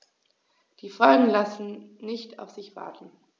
Die Folgen lassen nicht auf sich warten.